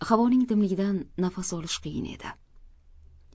havoning dimligidan nafas olish qiyin edi